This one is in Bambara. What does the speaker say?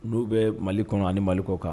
N'u bɛ mali kɔnɔ ani malikaw kan